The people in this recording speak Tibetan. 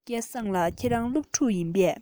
སྐལ བཟང ལགས ཁྱེད རང སློབ ཕྲུག ཡིན པས